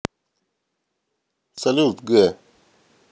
салют г